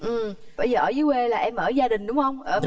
ừ vậy thì ở dưới quê em ở với gia đình đúng không ở